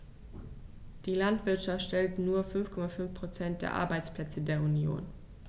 Die Landwirtschaft stellt nur 5,5 % der Arbeitsplätze der Union.